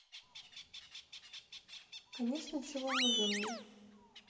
конечно чего нужно мне